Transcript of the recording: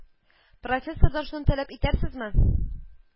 Профессордан шуны таләп итәрсезме